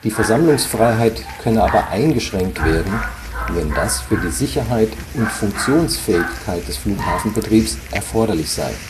Versammlungsfreiheit könne aber eingeschränkt werden, wenn das für die Sicherheit und Funktionsfähigkeit des Flughafenbetriebs erforderlich sei